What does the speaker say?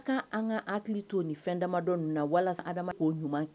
' ka an ka hakili to nin fɛn damadɔ na walasa adama k'o ɲuman